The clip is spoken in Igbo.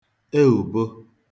eùbo